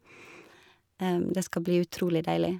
Det skal bli utrolig deilig.